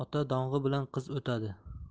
ota dong'i bilan qiz o'tadi